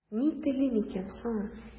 Ни телим икән соң?